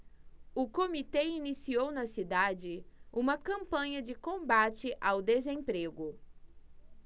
o comitê iniciou na cidade uma campanha de combate ao desemprego